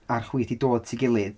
A'r chwith i dod at'i gilydd.